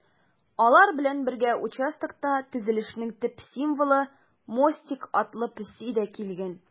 Алар белән бергә участокта төзелешнең төп символы - Мостик атлы песи дә килгән.